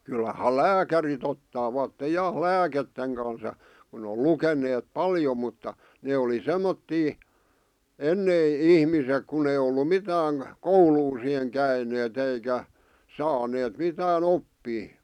kyllähän lääkärit ottavat ja lääkkeiden kanssa ja kun on lukeneet paljon mutta ne oli semmoisia ennen ihmiset kun ei ollut mitään koulua siihen käyneet eikä saaneet mitään oppia